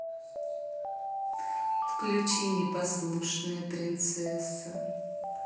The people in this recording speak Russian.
включи непослушная принцесса